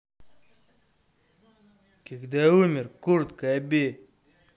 когда умер курт кобей